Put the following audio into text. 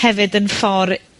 ...hefyd yn ffor